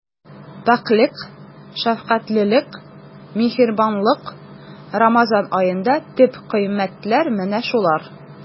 Пакьлек, шәфкатьлелек, миһербанлык— Рамазан аенда төп кыйммәтләр менә шулар.